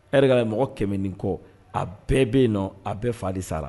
E yɛrɛ ye mɔgɔ kɛmɛ ni kɔ a bɛɛ bɛ yen nɔ a bɛɛ fa di sara